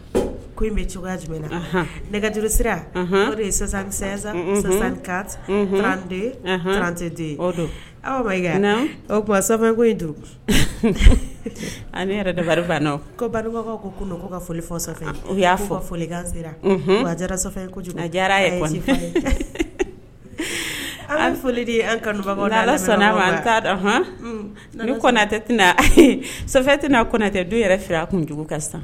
In bɛ jumɛn na nɛgɛ jurusansanteranteden aw ko duuru yɛrɛ da ko ka foli o y'a fɔ foli ganse jara a diyara foli kanu ala nitɛ tɛnatɛ don yɛrɛ fɛ a kunjugu ka